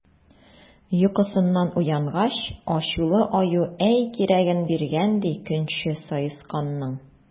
Йокысыннан уянгач, ачулы Аю әй кирәген биргән, ди, көнче Саесканның!